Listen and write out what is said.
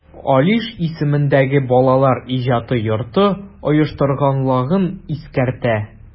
Алиш исемендәге Балалар иҗаты йорты оештырганлыгын искәртә.